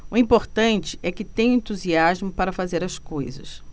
o importante é que tenho entusiasmo para fazer as coisas